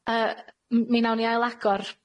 Yy m- mi nawn ni ailagor.